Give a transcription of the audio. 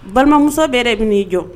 Balimamuso bɛ yɛrɛ bɛ'i jɔ